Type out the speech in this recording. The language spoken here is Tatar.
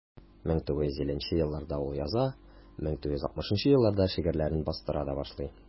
1950 елларда ул яза, 1960 елларда шигырьләрен бастыра башлый.